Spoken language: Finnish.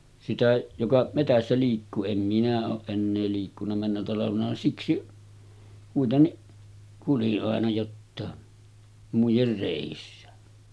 sitä joka metsässä liikkuu en minä ole enää liikkunut mennä talvena siksi kuitenkin kuljin aina jotakin muiden reissä